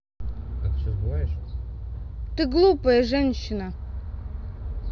ты глупая женщина